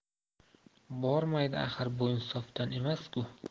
bormaydi axir bu insofdan emas ku